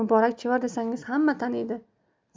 muborak chevar desangiz hamma taniydi